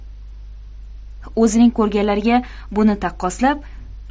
o'zining ko'rganlariga buni taqqoslab